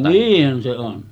niinhän se on